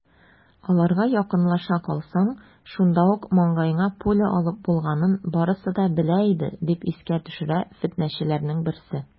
Аларга якынлаша калсаң, шунда ук маңгаеңа пуля алып булганын барысы да белә иде, - дип искә төшерә фетнәчеләрнең берсе.